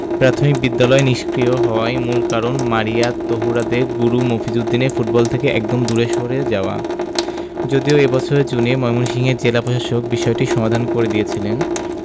প্রাথমিক বিদ্যালয় নিষ্ক্রিয় হওয়ার মূল কারণ মারিয়া তহুরাদের গুরু মফিজ উদ্দিনের ফুটবল থেকে একরকম দূরে সরে যাওয়া যদিও এ বছরের জুনে ময়মনসিংহের জেলা প্রশাসক বিষয়টির সমাধান করে দিয়েছিলেন